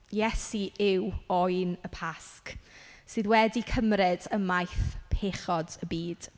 Iesu yw oen y Pasg sydd wedi cymryd ymaith pechod y byd.